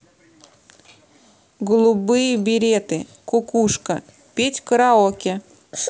голубые береты кукушка петь караоке